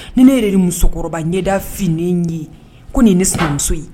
Ni ne yɛrɛ ni musokɔrɔba ɲɛda fini ye ko nin ye ne sigimuso ye